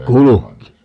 kulki